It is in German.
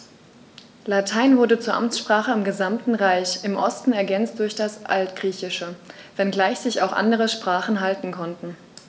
Latein wurde zur Amtssprache im gesamten Reich (im Osten ergänzt durch das Altgriechische), wenngleich sich auch andere Sprachen halten konnten.